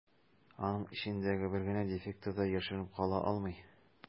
Аның эчендәге бер генә дефекты да яшеренеп кала алмый.